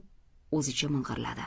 o'zicha ming'irladi